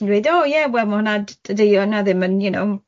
yn dweud oh ie wel ma' hwnna d- dydy yn hwnna ddim yn you know